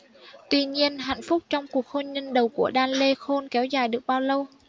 tuy nhiên hạnh phúc trong cuộc hôn nhân đầu của đan lê khôn kéo dài được bao lâu